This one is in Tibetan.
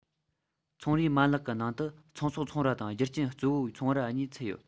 ཚོང རའི མ ལག གི ནང དུ ཚོང ཟོག ཚོང ར དང རྒྱུ རྐྱེན གཙོ བོའི ཚོང ར གཉིས ཚུད ཡོད